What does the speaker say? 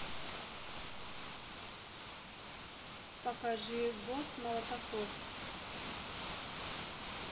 покажи босс молокосос